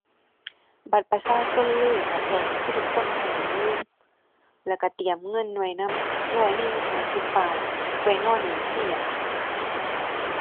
บัตรประชาชนเลยอันดับแรก คือทุกคนห้ามลืม แล้วก็เตรียมเงินไว้นำ ร้อยหนึ่ง ห้าสิบบาท ไว้นอนบัญชีอะ